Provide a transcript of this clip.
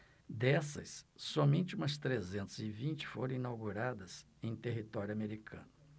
dessas somente umas trezentas e vinte foram inauguradas em território americano